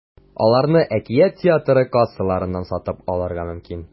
Аларны “Әкият” театры кассаларыннан сатып алырга мөмкин.